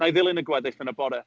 Wna i ddilyn y gweddill yn y bore.